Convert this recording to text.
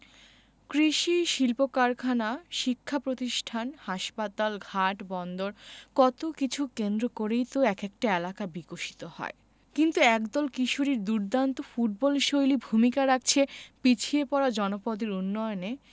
কৃষি শিল্পকারখানা শিক্ষাপ্রতিষ্ঠান হাসপাতাল ঘাট বন্দর কত কিছু কেন্দ্র করেই তো এক একটা এলাকা বিকশিত হয় কিন্তু একদল কিশোরীর দুর্দান্ত ফুটবলশৈলী ভূমিকা রাখছে পিছিয়ে পড়া জনপদের উন্নয়নে